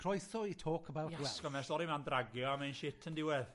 Croeso i talk about wealth. Iasgob ma'r stori 'ma'n dragio a mae'n shit yn diwedd.